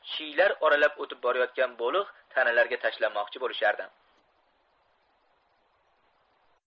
chiylar oralab o'tib borayotgan bo'liq tanalarga tashlanmoqchi bo'lishardi